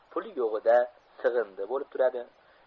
puli yo'g'ida sig'indi bo'lib turadi